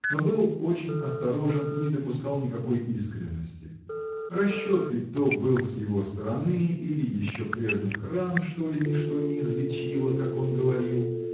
но был очень осторожен и не допускал никакой искренности. Расчет ли то был с его стороны или еще прежних ран что ли ничто не излечило как он говорил